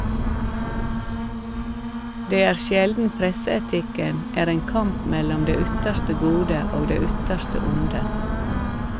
Det er sjelden presseetikken er en kamp mellom det ytterste gode og det ytterste onde.